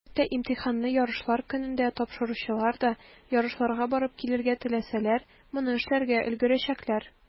Хәтта имтиханны ярышлар көнендә тапшыручылар да, ярышларга барып килергә теләсәләр, моны эшләргә өлгерәчәкләр.